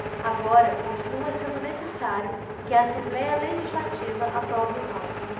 agora continua sendo necessário que a assembléia legislativa aprove o nome